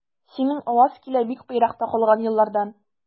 Синең аваз килә бик еракта калган еллардан.